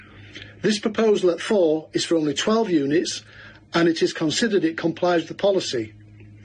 This proposal at four is for only twelve units, and it is considered it complies with policy.